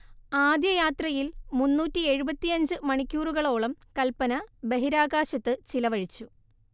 ആദ്യയാത്രയിൽ മുന്നൂറ്റിയെഴുപത്തിയഞ്ച് മണിക്കൂറുകളോളം കൽപന ബഹിരാകാശത്തു ചിലവഴിച്ചു